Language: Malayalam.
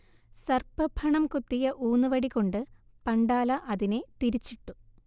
സർപ്പഫണം കൊത്തിയ ഊന്നുവടികൊണ്ട് പണ്ടാല അതിനെ തിരിച്ചിട്ടു